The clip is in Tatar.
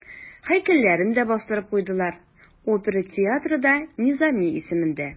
Һәйкәлләрен дә бастырып куйдылар, опера театры да Низами исемендә.